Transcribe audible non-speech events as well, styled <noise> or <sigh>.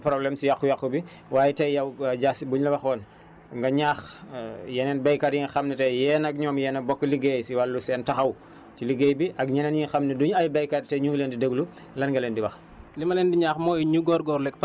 bu dul ñoom amuleen beneen <hesitation> problème si yàqu-yàqu bi <breath> waaye tey yow Dia Sy buñ la waxoon nga ñaax <hesitation> yeneen béykat yi nga xam ne tey yéen ak ñoom yéen a bokk liggéey si wàllu seen taxaw ci liggéey bi ak ñeneen ñi nga xam ne duñ ay béykat te ñu ngi leen di déglu lan nga leen di wax